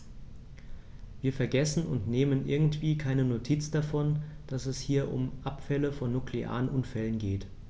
Wir vergessen, und nehmen irgendwie keine Notiz davon, dass es hier um Abfälle von nuklearen Unfällen geht.